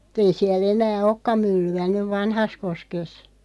mutta tei siellä enää olekaan myllyä nyt Vanhassakoskessa